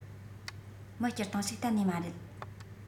མི སྤྱིར བཏང ཞིག གཏན ནས མ རེད